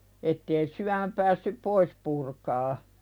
että ei syömä päässyt pois purkamaan